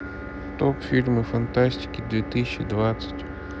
топ фильмы фантастики две тысячи девятнадцать